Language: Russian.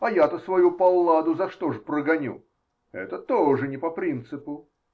) А я-то свою Палладу за что же прогоню, а? Это тоже не по принципу!